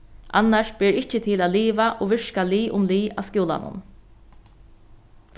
annars ber ikki til at liva og virka lið um lið á skúlanum